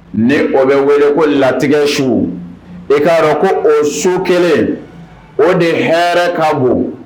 Ne o bɛ wele ko latigɛ su e'a ko o so kelen o de hɛrɛ ka bon